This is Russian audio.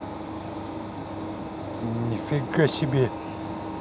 нифига себе